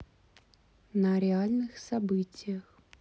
на реальных событиях